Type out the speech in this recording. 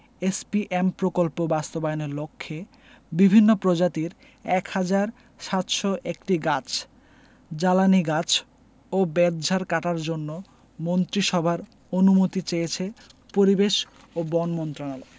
SPM প্রকল্প বাস্তবায়নের লক্ষ্যে বিভিন্ন প্রজাতির ১ হাজার ৭০১টি গাছ জ্বালানি গাছ ও বেতঝাড় কাটার জন্য মন্ত্রিসভার অনুমতি চেয়েছে পরিবেশ ও বন মন্ত্রণালয়